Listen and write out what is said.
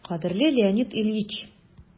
«кадерле леонид ильич!»